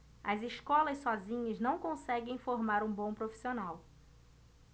as escolas sozinhas não conseguem formar um bom profissional